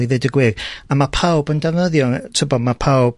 i ddeud y gwir, a ma' pawb yn defnyddio yy t'bo' ma' pawb